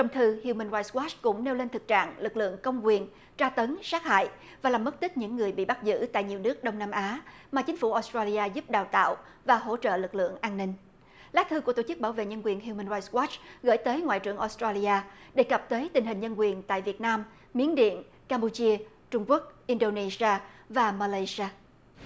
trong thư hiu mừn roai goát cũng nêu lên thực trạng lực lượng công quyền tra tấn sát hại và mất tích những người bị bắt giữ tại nhiều nước đông nam á mà chính phủ ốp sờ trây li a giúp đào tạo và hỗ trợ lực lượng an ninh lá thư của tổ chức bảo vệ nhân quyền hiu mừn roai goát gửi tới ngoại trưởng ốp sờ trây li a đề cập tới tình hình nhân quyền tại việt nam miến điện cam pu chia trung quốc in đô nê si a và ma lai si a